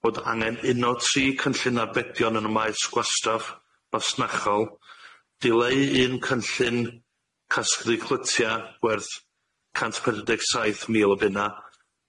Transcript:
bod angen uno tri cynllun arbedion yn y maes gwastraff fasnachol, dileu un cynllun casglu clytia werth cant pedwar deg saith mil o bunna,